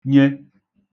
nye